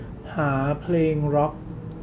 หาเพลงร็อค